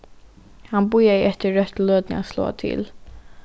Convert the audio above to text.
hann bíðaði eftir røttu løtuni at sláa til